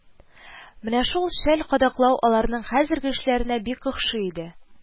Менә шул шәл кадаклау аларның хәзерге эшләренә бик охшый иде